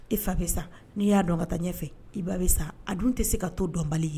E fa bɛ sa n'i y'a dɔn ka taa ɲɛfɛ i ba bɛ sa a dun tɛ se ka to dɔnbali ye